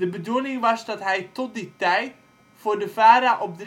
bedoeling was dat hij tot die tijd voor de VARA op